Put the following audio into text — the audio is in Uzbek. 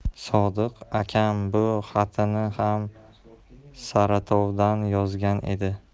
sodiq akam bu xatini ham saratovdan yozgan edi